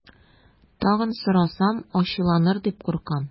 Тагын сорасам, ачуланыр дип куркам.